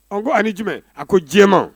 Ɔ ko a ni jama a ko diɲɛma